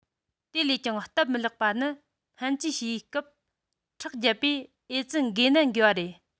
དེ ལས ཀྱང སྟབས མི ལེགས པ ནི སྨན བཅོས བྱེད སྐབས ཁྲག བརྒྱབ པས ཨེ ཙི འགོས ནད འགོས པ རེད